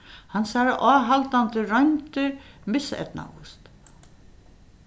hansara áhaldandi royndir miseydnaðust